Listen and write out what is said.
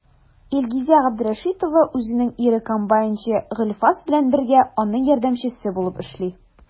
Илгизә Габдрәшитова үзенең ире комбайнчы Гыйльфас белән бергә, аның ярдәмчесе булып эшли.